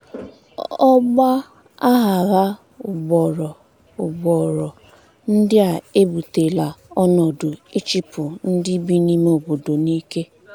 Ọgba aghara ugboro ugboro ndị a ebutela ọnọdụ ịchịpụ ndị bi n'ime obodo n'ike.